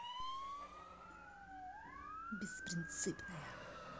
беспринципная